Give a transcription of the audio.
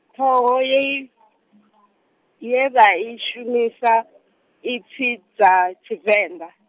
ṱhoho ye i , ye vha i shumisa i pfi, dza Tshivenḓa.